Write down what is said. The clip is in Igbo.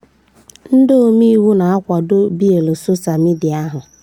Ndị omeiwu na-akwado bịịlụ soshaa midịa ahụ